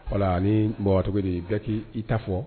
Voilà ani bon a tɔgɔ ye di bɛɛ ki i ta fɔ.